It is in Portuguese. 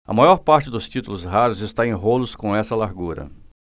a maior parte dos títulos raros está em rolos com essa largura